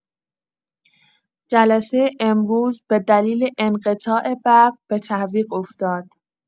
جلسه امروز به دلیل انقطاع برق به تعویق افتاد.